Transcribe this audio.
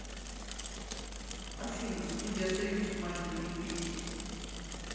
афина студия союз матерные песни